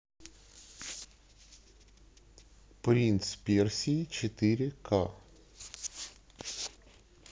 принц персии четыре к